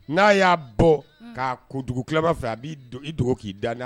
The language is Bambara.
N'a y'a bɔ ka'a dugu tilama fɛ a bɛ i dogo k'i da